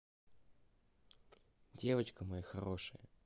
девочка моя хорошая